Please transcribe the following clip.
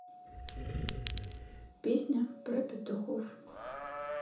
песня про петухов